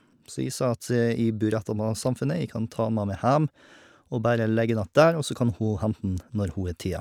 Så jeg sa at jeg bor rett attmed Samfundet, jeg kan ta den med meg heim og bare legge den att der, og så kan hun hente den når hun har tida.